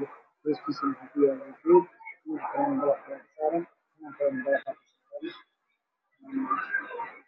oo midabkiisii cadaan guriga waxaa una shaqeysan yahay qurxin